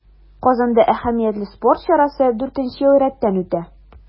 Казанда әһәмиятле спорт чарасы дүртенче ел рәттән үтә.